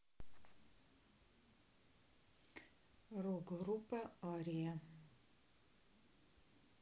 рок группа ария